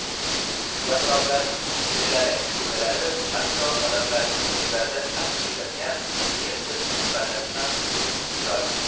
yaproqlarning tillarang shulalari hatto odamlarning ko'zlarida aks etadigan erta kuz pallasi ham mislsiz chiroyli